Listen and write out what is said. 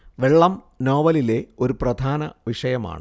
വെള്ളം നോവലിലെ ഒരു പ്രധാന വിഷയമാണ്